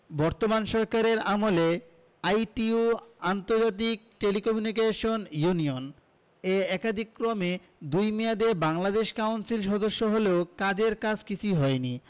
বর্তমান সরকারের আমলে আইটিইউ আন্তর্জাতিক টেলিকমিউনিকেশন ইউনিয়ন এ একাদিক্রমে দুই মেয়াদে বাংলাদেশ কাউন্সিল সদস্য হলেও কাজের কাজ কিছুই হয়নি